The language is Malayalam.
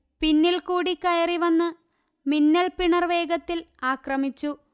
പിന്നിൽ കൂടെ കയറി വന്ന് മിന്നൽപ്പിണർ വേഗത്തിൽ ആക്രമിച്ചു